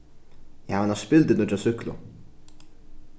eg havi eina spildurnýggja súkklu